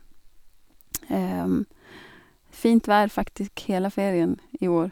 Fint vær faktisk hele ferien i år.